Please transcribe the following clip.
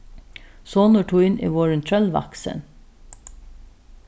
sonur tín er vorðin trøllvaksin